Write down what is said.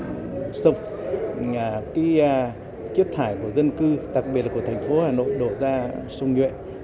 sông nhà cái chất thải của dân cư đặc biệt của thành phố hà nội đổ ra sông nhuệ